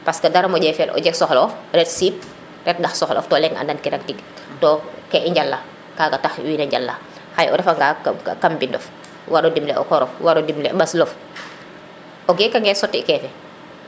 parce que dara moƴe fel o jeg soxla of ret siip ret ndax soxla of to o leng andan kirang tig donc ke i njala kaga taxu wiwe njala xaye o refa nga kam mbinof waro dimala o korof waro dimle mbaslof o geka nge soti ke fe